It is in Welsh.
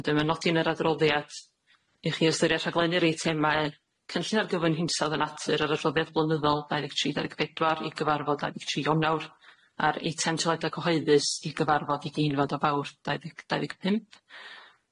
wedyn ma'n nodi yn yr adroddiad i chi ystyria rhaglennu'r eitemau cynllun ar gyfwyn hinsawdd y natur yr adroddiad blynyddol dau ddeg tri dau ddeg pedwar i gyfarfod dau ddeg tri Ionawr, a'r eitem teledo cyhoeddus i gyfarfod i gynfod o fawr dau ddeg dau ddeg pump,